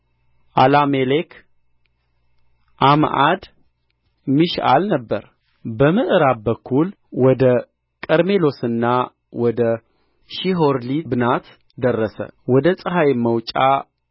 አላሜሌክ ዓምዓድ ሚሽአል ነበረ በምዕራብ በኩል ወደ ቀርሜሎስና ወደ ሺሖርሊብናት ደረሰ ወደ ፀሐይም መውጫ